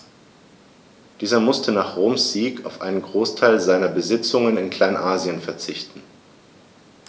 Dieser musste nach Roms Sieg auf einen Großteil seiner Besitzungen in Kleinasien verzichten.